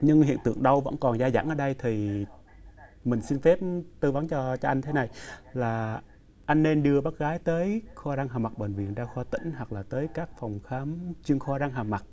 nhưng hiện tượng đau vẫn còn dai dẳng ở đây thì mình xin phép tư vấn cho cho anh thế này là anh nên đưa bác gái tới khoa răng hàm mặt bệnh viện đa khoa tỉnh hoặc là tới các phòng khám chuyên khoa răng hàm mặt